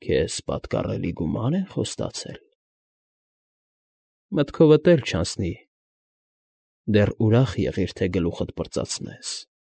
Քեզ պատկառելի գումա՞ր են խոստացել։ Մտքովդ էլ չանցնի, դեռ ուրախ եղիր, թե գլուխդ պրծացնես։